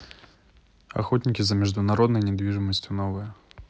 охотники за международной недвижимостью новое